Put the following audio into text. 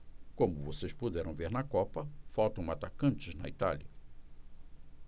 como vocês puderam ver na copa faltam atacantes na itália